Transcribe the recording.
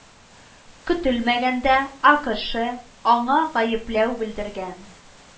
Көтелмәгәндә АКэШш аңа гаепләү белдергән